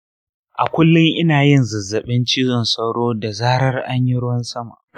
a kullum ina yin zazzabin cizon sauro da zarar an yi ruwan sama.